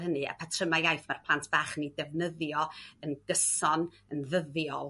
hynny a patryma' iaith ma'r plant bach yn i defnyddio yn gyson yn ddyddiol